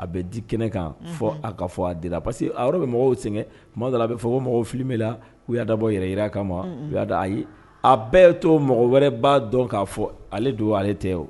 A bɛ di kɛnɛ kan fɔ a ka fɔ a di parce que a yɔrɔ bɛ mɔgɔw sɛgɛn kuma da a bɛ fɔ ko mɔgɔw fili min la u y'a dabɔ yɛrɛ jira kama ma u'a a ye a bɛɛ to mɔgɔ wɛrɛba dɔn k'a fɔ ale don ale tɛ o